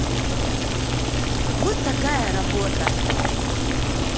вот такая работа